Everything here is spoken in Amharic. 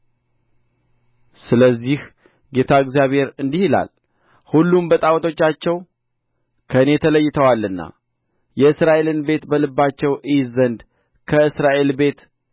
ስለዚህ ጌታ እግዚአብሔር እንዲህ ይላል ሁሉም በጣዖቶቻቸው ከእኔ ተለይተዋልና የእስራኤልን ቤት በልባቸው እይዝ ዘንድ ከእስራኤል ቤት